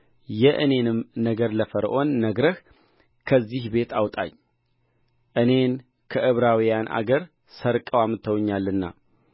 የእኔንም ነገር ለፈርዖን ነግረህ ከዚህ ቤት አውጣኝ እኔን ከዕብራውያን አገር ሰርቀው አምጥተውኛልና